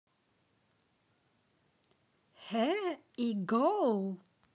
here i go